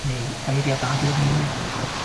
Neu eiriadadur newydd.